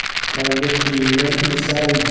tanga tiyindan o'sar